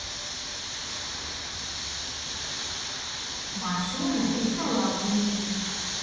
машина весела вблизи